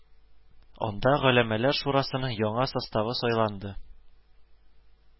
Анда Голәмәләр шурасының яңа составы сайланды